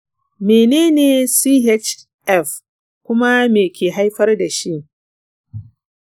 menene chf kuma menene ke haifar da shi?